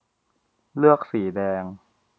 เลือกสีแดง